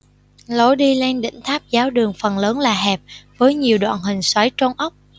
lối đi lên đỉnh tháp giáo đường phần lớn là hẹp với nhiều đoạn hình xoáy trôn ốc